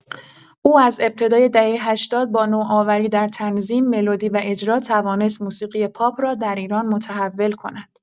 او از ابتدای دهه هشتاد با نوآوری در تنظیم، ملودی و اجرا توانست موسیقی پاپ را در ایران متحول کند.